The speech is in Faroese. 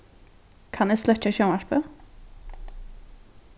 kann eg sløkkja sjónvarpið